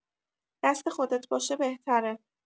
دست خودت باشه بهتره